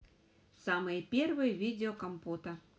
самое первое видео компота